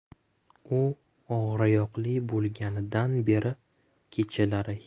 u og'iroyoqli bo'lganidan beri kechalari